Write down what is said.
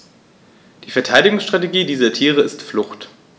Die Verteidigungsstrategie dieser Tiere ist Flucht.